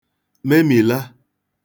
memìla